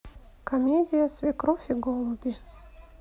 комедия свекровь и голуби